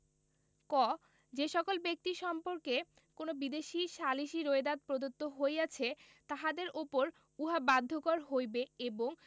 ক যে সকল ব্যক্তি সম্পের্কে কোন বিদেশী সালিসী রোয়েদাদ প্রদত্ত হইয়াছে তাহাদের উপর উহা বাধ্যকর হইবে এবং